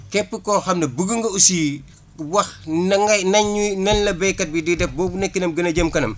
képp koo xam ne bugg nga aussi wax na ngay na nga ñuy nan la béykat bi di def ba bu nekkinam gën a jëm kanam